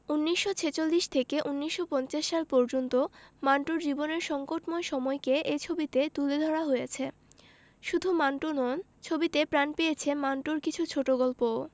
১৯৪৬ থেকে ১৯৫০ সাল পর্যন্ত মান্টোর জীবনের সংকটময় সময়কে এ ছবিতে তুলে ধরা হয়েছে শুধু মান্টো নন ছবিতে প্রাণ পেয়েছে মান্টোর কিছু ছোটগল্পও